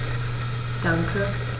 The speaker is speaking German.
Danke.